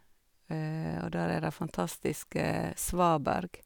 Og der er det fantastiske svaberg.